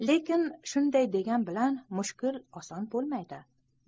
lekin shunday degan bilan mushkul oson bo'lmaydi